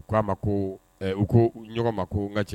U k'a ma ko u ko ɲɔgɔn ma ko n ka cɛ